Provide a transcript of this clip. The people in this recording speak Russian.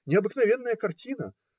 Необыкновенная картина!